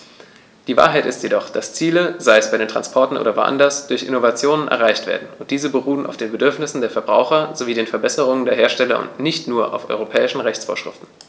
Die Wahrheit ist jedoch, dass Ziele, sei es bei Transportern oder woanders, durch Innovationen erreicht werden, und diese beruhen auf den Bedürfnissen der Verbraucher sowie den Verbesserungen der Hersteller und nicht nur auf europäischen Rechtsvorschriften.